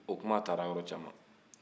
o kuma taara yɔrɔcaman